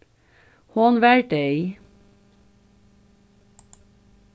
hon var deyð